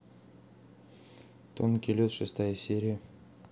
тонкий лед шестая серия